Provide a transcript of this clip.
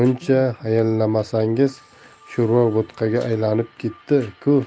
muncha hayallamasangiz sho'rva bo'tqaga aylanib ketdi ku